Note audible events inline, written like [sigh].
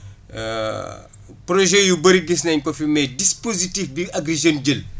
[hesitation] projets yu bëri gis nañ ko fi mais dispositif bi Agri Jeunes jël